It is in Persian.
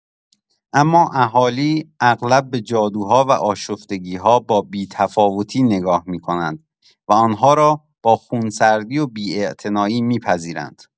اما اهالی اغلب به جادوها و آشفتگی‌ها با بی‌تفاوتی نگاه می‌کنند و آن‌ها را با خونسردی و بی‌اعتنایی می‌پذیرند.